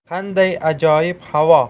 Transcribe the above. qanday ajoyib havo